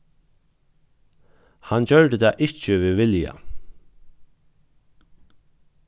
hann gjørdi tað ikki við vilja